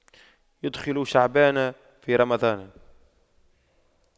يُدْخِلُ شعبان في رمضان